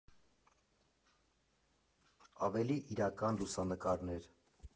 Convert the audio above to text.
Ավելի իրական լուսանկարներ։